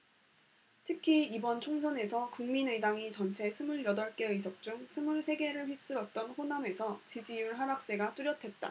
특히 이번 총선에서 국민의당이 전체 스물 여덟 개 의석 중 스물 세 개를 휩쓸었던 호남에서 지지율 하락세가 뚜렷했다